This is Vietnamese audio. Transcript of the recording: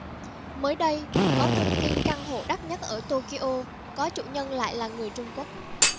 mới đây có thông tin căn hộ đắt nhất ở tokyo có chủ nhân lại là người trung quốc